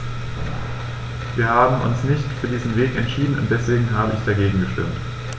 Wir haben uns nicht für diesen Weg entschieden, und deswegen habe ich dagegen gestimmt.